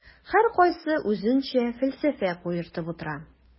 Һәркайсы үзенчә фәлсәфә куертып утыра.